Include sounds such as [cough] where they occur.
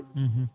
[hesitation] [hesitation]